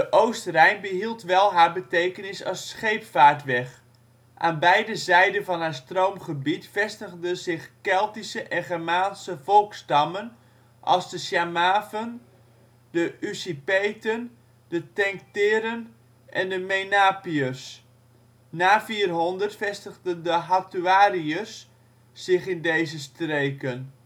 Oost-Rijn behield wel haar betekenis als scheepvaartweg. Aan beide zijden van haar stroomgebied vestigden zich Keltische en Germaanse volksstammen als de Chamaven, de Usipeten, de Tencteren en de Menapiërs. Na 400 vestigden de Hattuariërs zich in deze streken